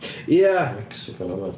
Ie... Mexico neu rywbeth...